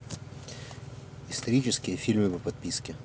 исторические фильмы по подписке